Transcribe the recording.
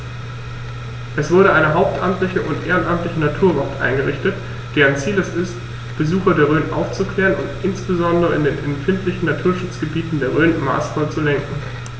Es wurde eine hauptamtliche und ehrenamtliche Naturwacht eingerichtet, deren Ziel es ist, Besucher der Rhön aufzuklären und insbesondere in den empfindlichen Naturschutzgebieten der Rhön maßvoll zu lenken.